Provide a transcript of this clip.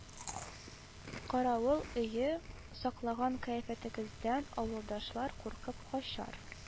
Каравыл өе саклаган кыяфәтегездән авылдашлар куркып качар